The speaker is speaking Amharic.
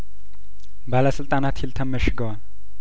ባለስልጣናት ሂልተን መሽገዋል